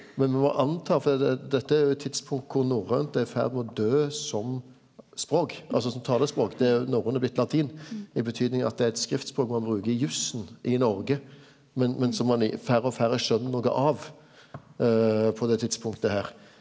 men me må anta for det dette er jo eit tidspunkt kor norrønt er i ferd med å døy som språk altså som talespråk det er norrønt er blitt latin i betydning at det er eit skriftspråk ein bruker i jussen i Noreg men men som ein i færre og færre skjønner noko av på det tidspunktet her.